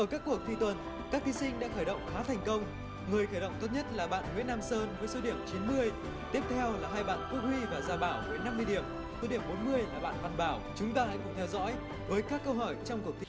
ở các cuộc thi tuần các thí sinh đang khởi động khá thành công người khởi động tốt nhất là bạn nguyễn nam sơn với số điểm chín mười tiếp theo là hai bạn quốc huy và gia bảo với năm mười điểm số điểm bốn mươi là bạn văn bảo chúng ta hãy cùng theo dõi với các câu hỏi trong phần thi